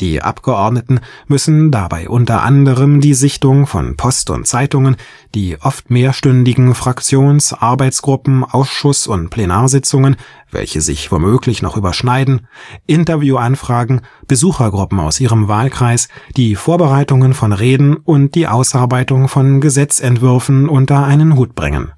Die Abgeordneten müssen dabei unter anderem die Sichtung von Post und Zeitungen, die oft mehrstündigen Fraktions -, Arbeitsgruppen -, Ausschuss - und Plenarsitzungen, welche sich womöglich noch überschneiden, Interview-Anfragen, Besuchergruppen aus ihrem Wahlkreis, die Vorbereitungen von Reden und die Ausarbeitung von Gesetzentwürfen unter einen Hut bringen